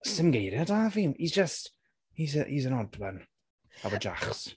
'sdim geiriau 'da fi, he's just, he's a, he's an odd one our Jacques.